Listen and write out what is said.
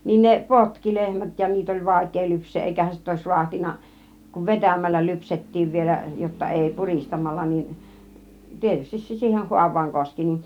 niin ne potki lehmät ja niitä oli vaikea lypsää eikähän sitä olisi raatsinut kun vetämällä lypsettiin vielä jotta ei puristamalla niin tietysti se siihen haavaan koski niin